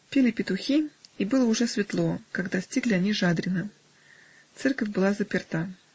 Пели петухи и было уже светло, как достигли они Жадрина. Церковь была заперта.